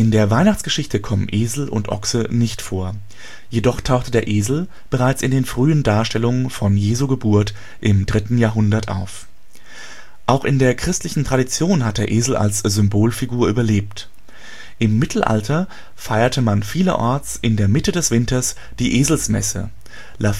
der Weihnachtsgeschichte kommen Esel und Ochse nicht vor, jedoch tauchte der Esel bereits in den frühesten Darstellungen von Jesu Geburt im 3. Jahrhundert auf. Auch in der christlichen Tradition hat der Esel als Symbolfigur überlebt. Im Mittelalter feierte man vielerorts in der Mitte des Winters die Eselsmesse (La